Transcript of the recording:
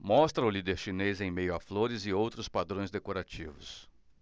mostra o líder chinês em meio a flores e outros padrões decorativos